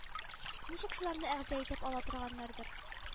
Ничек шуларны әгъза итеп ала торганнардыр